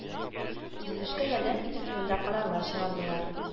Төзелешкә ярдәм итү турында карарлар чыгардылар